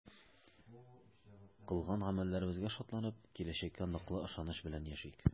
Кылган гамәлләребезгә шатланып, киләчәккә ныклы ышаныч белән яшик!